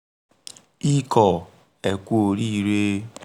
Ikọ̀ ẹ kú oríire!